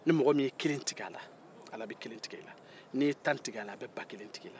mɔgɔ min ye kelen tig'a la ala bɛ kelen tigɛ e la n'i ye tan tig'a la a bɛ ba kelen tig'i la